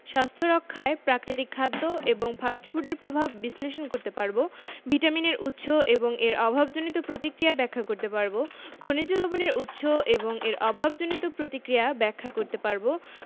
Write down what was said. স্বাস্থ্য রক্ষায় প্রাকৃতিক খাদ্য এবং ফাস্ট ফুডের প্রভাব বিশ্লেষণ করতে পারব ভিটামিনের উৎস এবং এর অভাবজনিত প্রতিক্রিয়া ব্যাখ্যা করতে পারব খনিজ লবণের উৎস এবং এর অভাবজনিত প্রতিক্রিয়া ব্যাখ্যা করতে পারব